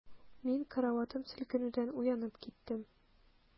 Мин караватым селкенүдән уянып киттем.